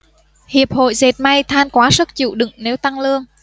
hiệp hội dệt may than quá sức chịu đựng nếu tăng lương